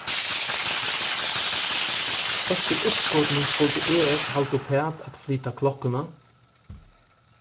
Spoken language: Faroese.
eftir uppskotinum skuldu es halda uppat at flyta klokkuna